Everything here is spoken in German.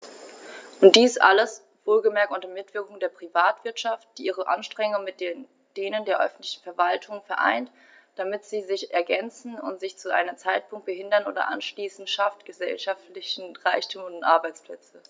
Und dies alles - wohlgemerkt unter Mitwirkung der Privatwirtschaft, die ihre Anstrengungen mit denen der öffentlichen Verwaltungen vereint, damit sie sich ergänzen und sich zu keinem Zeitpunkt behindern oder ausschließen schafft gesellschaftlichen Reichtum und Arbeitsplätze.